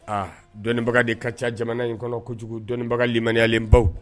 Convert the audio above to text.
A dɔnnibaga de ka ca jamana in kɔnɔ kojugu dɔnnibagalimaniyalen baw